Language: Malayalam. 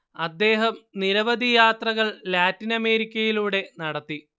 അദ്ദേഹം നിരവധി യാത്രകൾ ലാറ്റിൻ അമേരിക്കയിലൂടെ നടത്തി